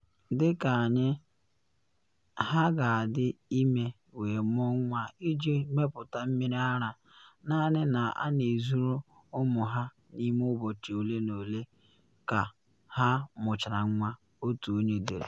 Dị ka anyị ha ga-adị ime wee mụọ nwa iji mepụta mmiri ara, naanị na a na ezuru ụmụ ha n’ime ụbọchị ole ma ole ka ha mụchara nwa,” otu onye dere.